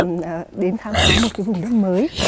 đến khám phá một cái vùng đất mới